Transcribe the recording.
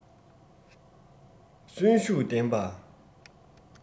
གསོན ཤུགས ལྡན པ